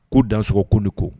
Ko dansoɔgɔ ko ko